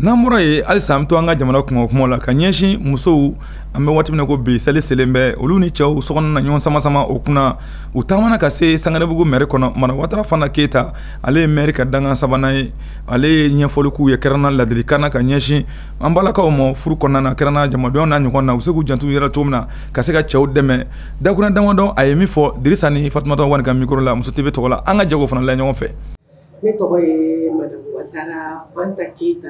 n'an bɔra ye hali san to an ka jamana kun kuma la ka ɲɛsin musow an bɛ waati min ko bi seli selen bɛ olu ni cɛwk na ɲɔgɔn samamama o kunna u tamana ka se sanbuguugu m kɔnɔ ma waatitarafana keyita ale m ka danga sabanan ye ale ye ɲɛ ɲɛfɔli'u ye kɛrɛnana ladirik na ka ɲɛsin an b'kaw ma furu kɔnɔnarɛnanajamaj na ɲɔgɔn na u se'u jantu yɛrɛ to min na ka se ka cɛw dɛmɛ dakkun dandɔ a ye min fɔ sa ni fatutɔwale ka mi la musotube tɔgɔ la an ka jago fana la ɲɔgɔn fɛ tɔgɔ keyita